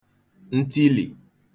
ntilì